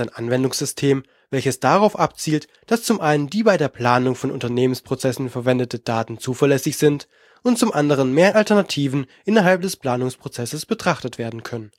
Anwendungssystem, welches darauf abzielt, dass zum einen die bei der Planung von Unternehmensprozessen verwendeten Daten zuverlässig sind und zum anderen mehr Alternativen innerhalb des Planungsprozesses betrachtet werden können